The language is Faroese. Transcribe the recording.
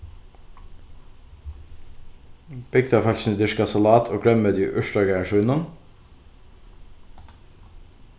bygdarfólkini dyrka salat og grønmeti í urtagarði sínum